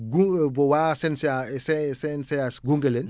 gu bu waa CNCA C CNCH gunge leen